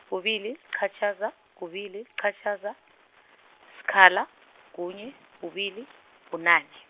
kubili, -qatjhaza, kubili, -qatjhaza, sikhala, kunye, kubili, bunane.